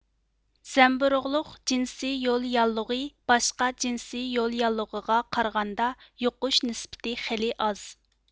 زەمبىروغلۇق جىنسى يول ياللۇغى باشقا جىنسى يول ياللۇغىغا قارىغاندا يۇقۇش نىسبىتى خېلى ئاز